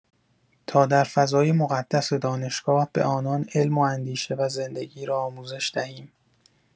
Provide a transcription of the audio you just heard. تا در فضای مقدس دانشگاه، به آنان علم و اندیشه و زندگی را آموزش دهیم.